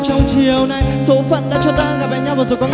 trong chiều nay số phận đã cho ta gặp lại nhau rồi có